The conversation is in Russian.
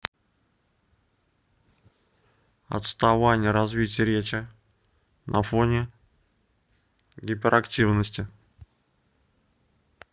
отставание развития речи на фоне гиперактивности